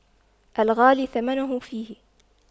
الغالي ثمنه فيه